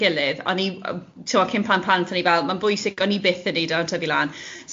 gilydd, o'n i yy ti'bod cyn cael plant o'n i fel, mae'n bwysig, o'n i byth yn wneud o yn tyfu lan.